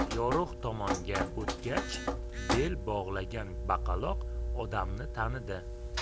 yorug' tomonga o'tgach bel bog'lagan baqaloq odamni tanidi